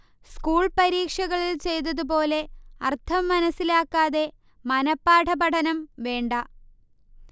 school പരീക്ഷകളിൽ ചെയ്തതുപോലെ അർഥം മനസ്സിലാക്കാതെ മനഃപാഠ പഠനം വേണ്ട